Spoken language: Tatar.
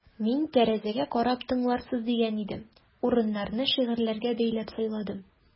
Мин тәрәзәгә карап тыңларсыз дигән идем: урыннарны шигырьләргә бәйләп сайладым.